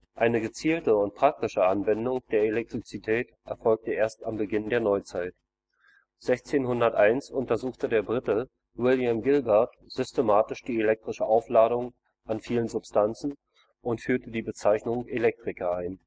Eine gezielte und praktische Anwendung der Elektrizität erfolgte erst am Beginn der Neuzeit. 1601 untersuchte der Brite William Gilbert systematisch die elektrische Aufladung an vielen Substanzen und führte die Bezeichnung „ Electrica “ein